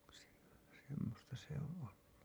- semmoista se on ollut